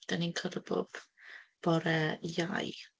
Dan ni'n cwrdd bob bore Iau.